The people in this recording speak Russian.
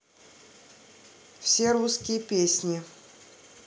все русские песни